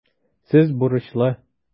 Сез бурычлы.